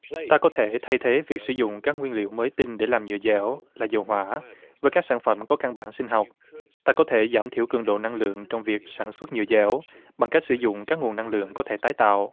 ta có thể thay thế việc sử dụng các nguyên liệu mới tinh để làm nhựa dẻo là dầu hỏa và các sản phẩm có căn bản sinh học ta có thể giảm thiểu cường độ năng lượng trong việc sản xuất nhựa dẻo bằng cách sử dụng các nguồn năng lượng có thể tái tạo